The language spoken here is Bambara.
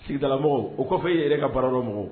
Sigidalamɔgɔ o kɔfɛ e yɛrɛ ka baara dɔn mɔgɔ